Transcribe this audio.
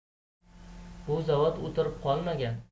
bu zavod o'tirib qolmagan